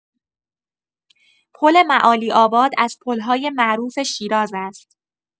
پل معالی‌آباد از پل‌های معروف شیراز است.